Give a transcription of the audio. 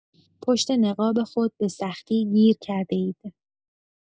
پشت نقاب خود به‌سختی گیر کرده‌اید.